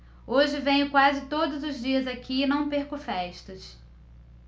hoje venho quase todos os dias aqui e não perco festas